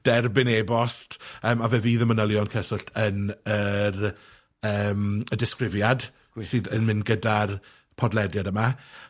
derbyn e-bost, yym, a fe fydd y manylion cyswllt yn yr yym, y disgrifiad we- sydd yn mynd gyda'r podlediad yma.